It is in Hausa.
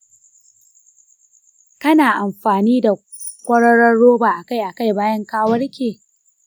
kana amfani da kwararon roba akai akai bayan ka warke.